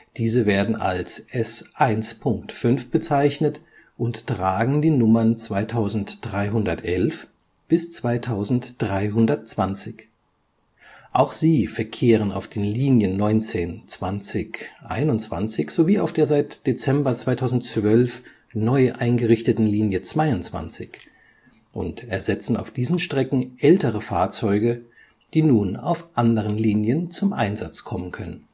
Diese werden als S 1.5 bezeichnet und tragen die Nummern 2311 bis 2320. Auch sie verkehren auf den Linien 19, 20, 21, sowie auf der seit Dezember 2012 neu eingerichteten Linie 22 und ersetzen auf diesen Strecken ältere Fahrzeuge, die nun auf anderen Linien zum Einsatz kommen können